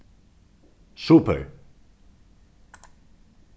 super